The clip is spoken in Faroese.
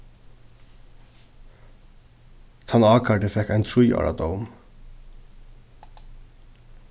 tann ákærdi fekk ein trý ára dóm